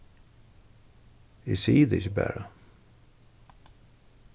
eg sigi tað ikki bara